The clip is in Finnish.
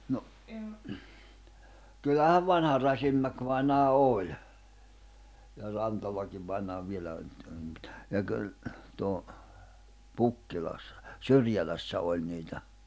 no kyllähän vanha Rasinmäki-vainaja oli ja Rantalakin vainaja vielä oli mutta ja kyllä tuo Pukkilassa Syrjälässä oli niitä